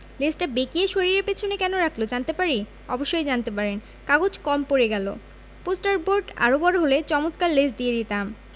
লেজটা বেঁকিয়ে শরীরের পেছনে কেন রাখল জানতে পারি অবশ্যই জানতে পারেন কাগজ কম পড়ে গেল পোস্টার বোর্ড আরো বড় হলে চমৎকার লেজ দিয়ে দিতাম